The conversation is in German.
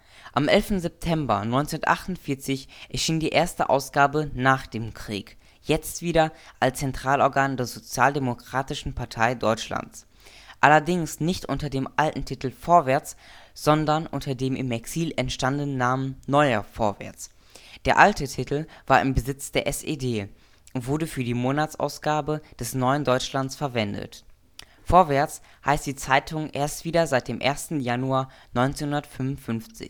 Am 11. September 1948 erschien die erste Ausgabe nach dem Krieg, jetzt wieder als Zentralorgan der Sozialdemokratischen Partei Deutschlands, Allerdings nicht unter dem alten Titel Vorwärts, sondern unter dem im Exil entstandenen Namen Neuer Vorwärts: Der alte Titel war im Besitz der SED und wurde für die Montagsausgabe des Neuen Deutschlands verwendet. Vorwärts heißt die Zeitung erst wieder seit dem 1. Januar 1955